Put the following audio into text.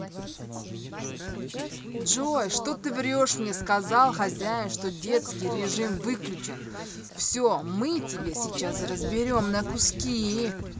джой что ты врешь мне сказал хозяин что детский режим выключен все мы тебе сейчас разберем на куски